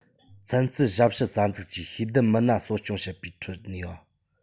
ཚན རྩལ ཞབས ཞུ རྩ འཛུགས ཀྱིས ཤེས ལྡན མི སྣ གསོ སྐྱོང བྱེད པའི ཁྲོད ནུས པ